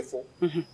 I fɔ